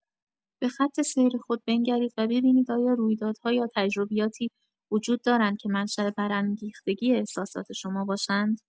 به‌خط سیر خود بنگرید و ببینید آیا رویدادها یا تجربیاتی وجود دارند که منشا برانگیختگی احساسات شما باشند.